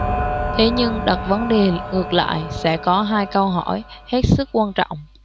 thế nhưng đặt vấn đề ngược lại sẽ có hai câu hỏi hết sức quan trọng